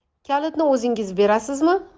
kalitni o'zingiz berasizmi